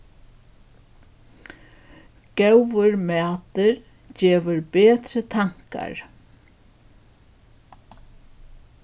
góður matur gevur betri tankar